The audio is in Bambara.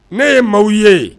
Ne ye maaw ye